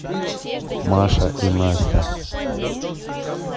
маша и настя